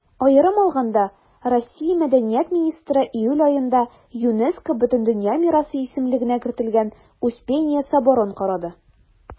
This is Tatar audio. Аерым алганда, Россия Мәдәният министры июль аенда ЮНЕСКО Бөтендөнья мирасы исемлегенә кертелгән Успенья соборын карады.